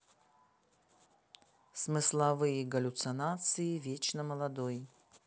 смысловые галлюцинации вечно молодой